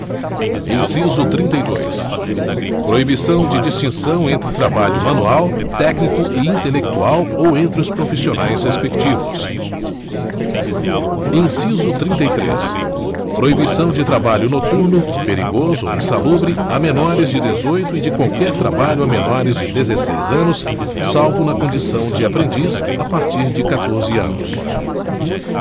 inciso trinta e dois proibição de distinção entre trabalho manual técnico e intelectual ou entre os profissionais respectivos inciso trinta e três proibição de trabalho noturno perigoso ou insalubre a menores de dezoito e de qualquer trabalho a menores de dezesseis anos salvo na condição de aprendiz a partir de catorze anos